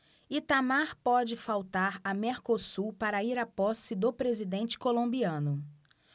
itamar pode faltar a mercosul para ir à posse do presidente colombiano